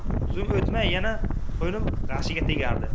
zum o'tmay yana qo'nib g'ashiga tegardi